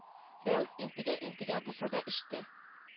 Рәүф интегә-интегә булса да эчте